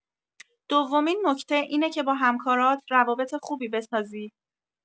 دومین نکته اینه که با همکارات روابط خوبی بسازی.